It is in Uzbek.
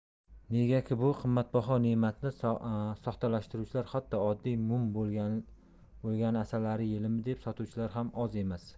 negaki bu qimmatbaho ne'matni soxtalashtiruvchilar hatto oddiy mum bo'lagini asalari yelimi deb sotuvchilar ham oz emas